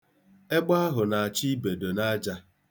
Egbe ahụ na-achọ ibedo n'aja.